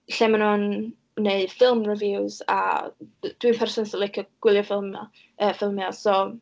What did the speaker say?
Lle maen nhw'n wneud film reviews, a dwi'n person sydd yn licio gwylio ffilmiau, yy, ffilmiau so...